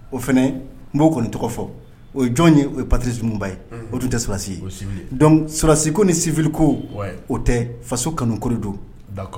O fana n b'o kɔni tɔgɔ fɔ o ye jɔn ye ? O ye patirice Lunmunba ye o tun tɛ sɔrasi ye, sɔrasi ko tɛ faso kanu ko don! d'accord